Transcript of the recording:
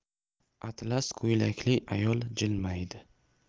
atlas ko'ylakli ayol jilmaydi